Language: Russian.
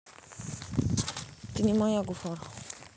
ты не моя gafur